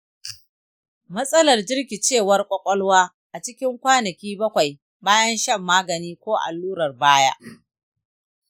matsalar jirkicewar ƙwaƙwalwa a cikin kwanaki bakwai bayan shan magani ko allurar baya